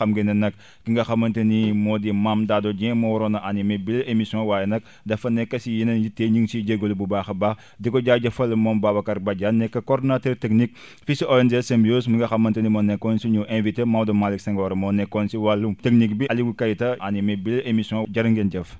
xam ngeen ne nag ki nga xamante ni moo di Mame Dado Dieng moo waroon a animer bile émission waaye nag dafa nekk si yeneen yitte ñu ngiy jégalu bu baax a baax di ko jaajëfal moom Babacar Badiane nekk coordonnateur technique fii si ONG Symbiose mi nga xamante ni moo nekkoon suñu invité Maodo Malick Senghor moo nekkoon si wàllu technique bi Aliou Keita animé bile émission jërë ngeen jêf